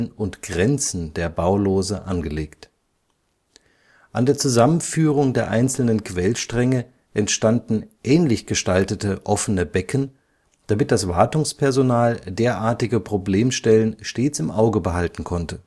und Grenzen der Baulose angelegt. An der Zusammenführung der einzelnen Quellstränge entstanden ähnlich gestaltete offene Becken, damit das Wartungspersonal derartige Problemstellen stets im Auge behalten konnte